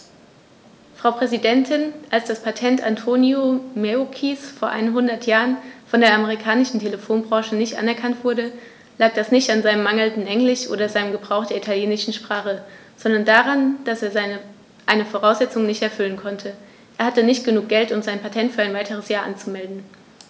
Frau Präsidentin, als das Patent Antonio Meuccis vor einhundert Jahren von der amerikanischen Telefonbranche nicht anerkannt wurde, lag das nicht an seinem mangelnden Englisch oder seinem Gebrauch der italienischen Sprache, sondern daran, dass er eine Voraussetzung nicht erfüllen konnte: Er hatte nicht genug Geld, um sein Patent für ein weiteres Jahr anzumelden.